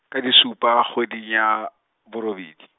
ka di supa kgweding ya, borobedi.